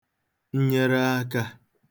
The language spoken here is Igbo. nnyere akā